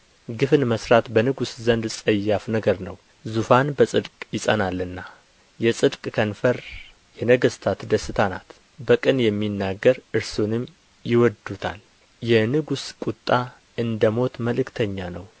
ግፍን መሥራት በንጉሥ ዘንድ ጸያፍ ነገር ነው ዙፋን በጽድቅ ይጸናልና የጽድቅ ከንፈር የነገሥታት ደስታ ናት በቅን የሚናገር እርሱንም ይወድዱታል የንጉሥ ቍጣ እንደ ሞት መልእክተኛ ነው